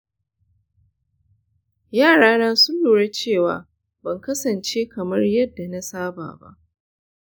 yarana sun lura cewa ban kasance kamar yadda na saba ba.